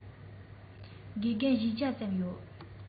དགེ རྒན ༤༠༠ ཙམ ཡོད རེད